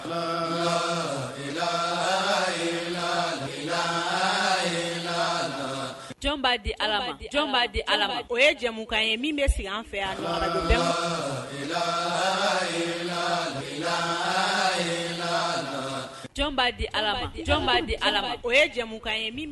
'a di di o jamumukan ye min bɛ sigi an fɛ'a di'a di o jamukan ye